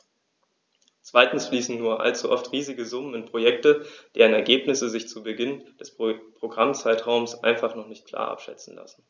Zweitens fließen nur allzu oft riesige Summen in Projekte, deren Ergebnisse sich zu Beginn des Programmzeitraums einfach noch nicht klar abschätzen lassen.